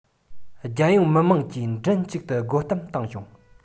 རྒྱལ ཡོངས མི དམངས ཀྱིས མགྲིན གཅིག ཏུ རྒོལ གཏམ བཏང ཞིང